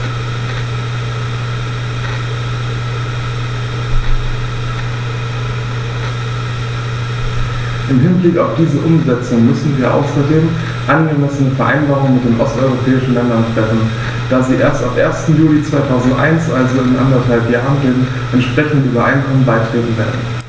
Im Hinblick auf diese Umsetzung müssen wir außerdem angemessene Vereinbarungen mit den osteuropäischen Ländern treffen, da sie erst ab 1. Juli 2001, also in anderthalb Jahren, den entsprechenden Übereinkommen beitreten werden.